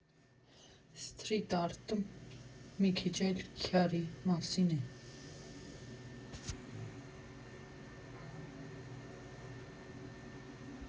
Սթրիտ֊արտը մի քիչ այլ քյարի մասին ա։